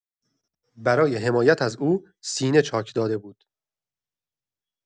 برای حمایت از او، سینه‌چاک داده بود.